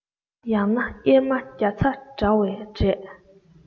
ཡང ན གཡེར མ རྒྱ ཚྭ དྭ བའི འབྲས